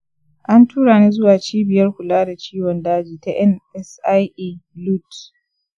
an tura ni zuwa cibiyar kula da ciwon daji ta nsia-luth.